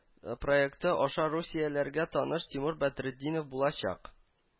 Проекты аша русияләргә таныш тимур бәдретдинов булачак